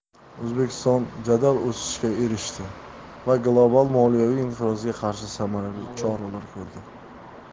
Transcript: o'zbekiston jadal o'sishga erishdi va global moliyaviy inqirozga qarshi samarali choralar ko'rdi